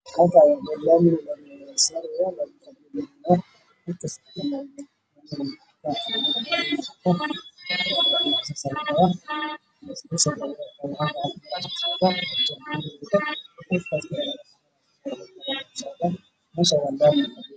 Hal kan waa laami la dhisaayo agtiisa waxaa tagan maamo